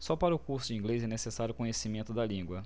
só para o curso de inglês é necessário conhecimento da língua